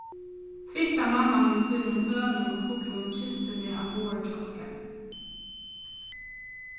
fitta mamman við sínum hønum og fuglum kysti meg á báðar kjálkar